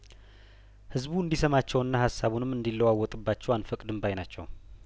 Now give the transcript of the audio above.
ህዝቡ እንዲሰማቸውና ሀሳቡንም እንዲለዋወጥባቸው አንፈቅድም ባይ ናቸው